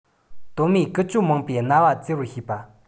དོན མེད ཀུ ཅོ མང པོས རྣ བ གཙེར བར བྱེད པ